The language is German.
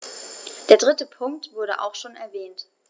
Der dritte Punkt wurde auch schon erwähnt.